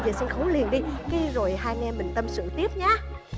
về sân khấu liền đi rồi hai anh em mình tâm sự tiếp nhé